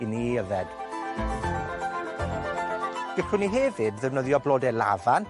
i ni 'i yfed. Gellwn ni hefyd ddefnyddio blodau lafant,